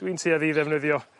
dwi'n tueddu i ddefnyddio